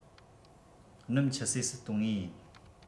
སྣུམ ཆུད ཟོས སུ གཏོང ངེས ཡིན